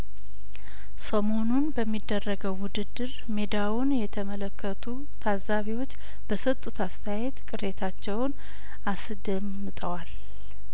ሰሞኑን በሚደረገው ውድድር ሜዳውን የተመለከቱ ታዛቢዎች በሰጡት አስተያየት ቅሬታቸውን አስደምጠዋል